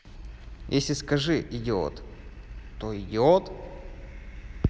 если скажи идиот то идиот